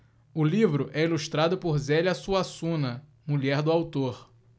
o livro é ilustrado por zélia suassuna mulher do autor